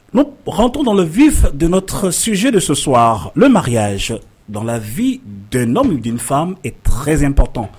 Nous rentrons dans le vif de notre sujet de ce soir le mariage dans la vie d'un homme et d'une femme est très important